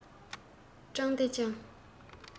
ཀྲང ཏེ ཅང